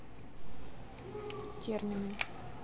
термины